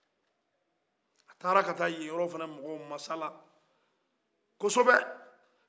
u tara ka taa ye yɔrɔ fana mɔgɔ masala kosɛbɛ